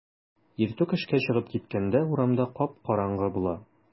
Иртүк эшкә чыгып киткәндә урамда кап-караңгы була.